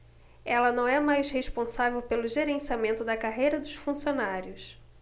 ela não é mais responsável pelo gerenciamento da carreira dos funcionários